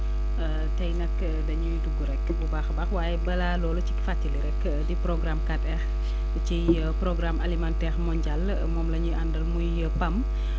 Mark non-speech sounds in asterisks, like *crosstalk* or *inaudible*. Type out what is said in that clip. *hesitation* tey nag dañuy dugg rek bu baax abaax waaye balaa loolu cig fàttali rek *hesitation* di programme 4R ci *noise* programme alimentaire mondial moom la ñuy àndal muy PAM *breath*